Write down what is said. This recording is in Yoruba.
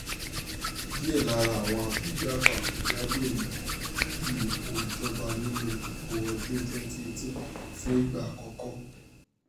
Díẹ̀ lára àwọn abódiakọ-akọ́diabo ènìyàn du ipò ìjọba nínú Ìbò ọdún 2018 fún ìgbà àkọ́kọ́.